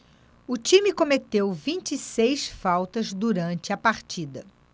o time cometeu vinte e seis faltas durante a partida